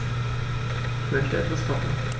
Ich möchte etwas kochen.